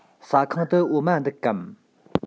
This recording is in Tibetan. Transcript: ཟ ཁང དུ འོ མ འདུག གམ